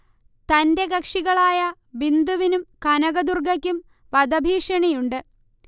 തന്റെ കക്ഷികളായ ബിന്ദുവിനും കനക ദുർഗക്കും വധഭീഷണിയുണ്ട്